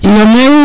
iyo